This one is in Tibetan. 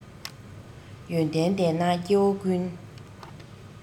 ཡོན ཏན ལྡན ན སྐྱེ བོ ཀུན